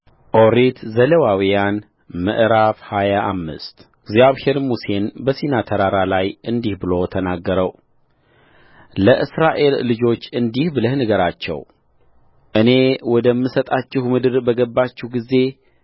ኦሪት ዘሌዋውያን ምዕራፍ ሃያ አምስት እግዚአብሔርም ሙሴን በሲና ተራራ ላይ እንዲህ ብሎ ተናገረውለእስራኤል ልጆች እንዲህ ብለህ ንገራቸው እኔ ወደምሰጣችሁ ምድር በገባችሁ ጊዜ